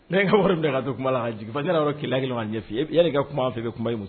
N n ka wari bɛn ka don kuma la jigi yɔrɔ kelenkelen ɲɔgɔn ɲɛ i yɛrɛ ka kuma fɛ bɛ kunba muso